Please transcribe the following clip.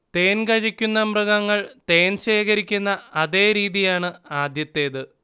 തേൻകഴിക്കുന്ന മൃഗങ്ങൾ തേൻശേഖരിക്കുന്ന അതേ രീതിയാണ് ആദ്യത്തേത്